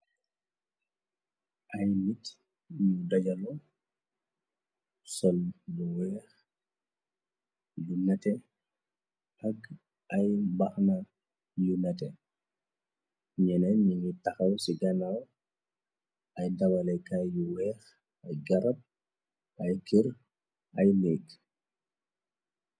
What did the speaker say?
ay nit yu dajalo sol lu weex yu nate ak ay mbàxna yu nate ñene ni ngi taxaw ci ganaw ay dawalekaay yu weex ay garab ay kër ay lékk